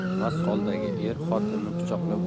mast holdagi er xotinini pichoqlab